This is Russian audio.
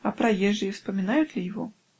-- А проезжие вспоминают ли его?